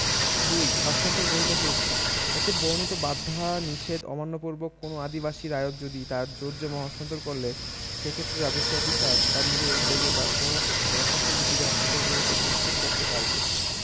২ হস্তান্তর গ্রহীতাকে উচ্ছেদ এতে বর্ণিত বাধানিষেধ অমান্যপূর্বক কোন আদিবাসী রায়ত যদি তার জোতজমা হস্তান্তর করলে সেক্ষেত্রে রাজস্ব অফিসার তার নিজের উদ্যোগে বা কোনও দরখাস্তের ভিত্তিতে হস্তান্তর গ্রহীতাকে উচ্ছেদ করতে পারবে